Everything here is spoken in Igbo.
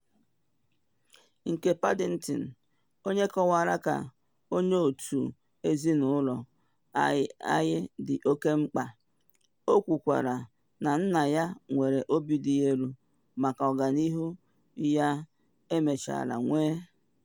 Nke Paddington, onye kọwara ka “onye otu ezinụlọ anyị dị oke mkpa,” o kwukwara na nna ya nwere obi dị elu maka ọganihu ya emechara nwee.